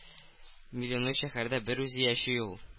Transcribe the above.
Миллионлы шәһәрдә берүзе яши ул.